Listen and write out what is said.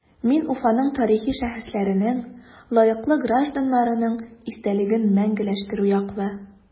Мин Уфаның тарихи шәхесләренең, лаеклы гражданнарның истәлеген мәңгеләштерү яклы.